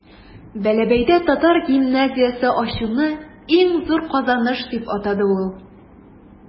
Бәләбәйдә татар гимназиясе ачуны иң зур казаныш дип атады ул.